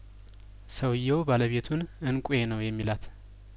ሰውዬው ባለቤቱን እንቋ ነው የሚላት